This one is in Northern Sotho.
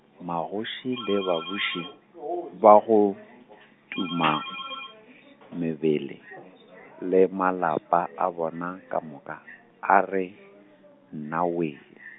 magoši le babuši , ba go tuma , mebele, le malapa a bona ka moka a re, nnawee.